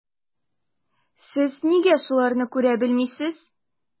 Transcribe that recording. Сез нигә шуларны күрә белмисез?